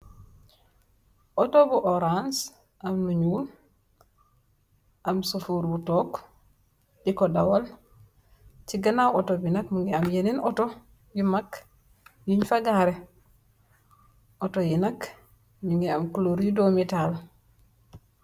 Auto bu orance am lu nuul am sufoor bu tokk di ko dawal ci ganaaw auto bi nak mu ngi am yeneen auto yu maag yun fa gaare auto yi nak mogi am color yu doomitaal.